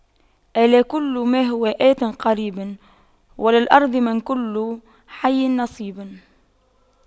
ألا كل ما هو آت قريب وللأرض من كل حي نصيب